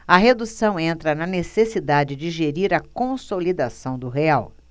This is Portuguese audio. a redução entra na necessidade de gerir a consolidação do real